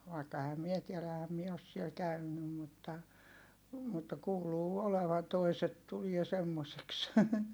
vaikka enhän minä tiedä enhän minä ole siellä käynyt mutta mutta kuuluu olevan toiset tulee semmoiseksi